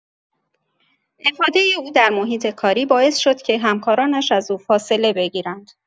افاده او در محیط کاری باعث شد که همکارانش از او فاصله بگیرند.